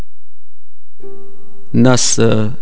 نص